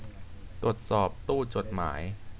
ตรวจสอบตู้จดหมาย